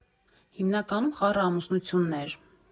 Հիմնականում՝ խառը ամուսնություններ։